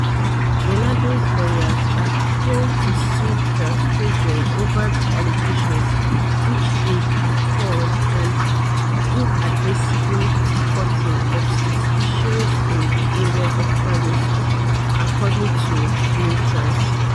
Ronaldo's lawyers are preparing to sue Der Spiegel over the allegations, which they have called "an inadmissible reporting of suspicions in the area of privacy," according to Reuters.